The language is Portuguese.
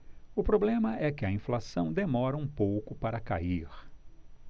o problema é que a inflação demora um pouco para cair